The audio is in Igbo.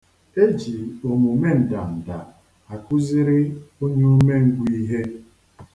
E ji omume ndanda a kuziri onye umengwu ihe.